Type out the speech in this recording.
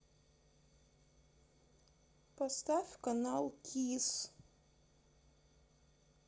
поставь канал кис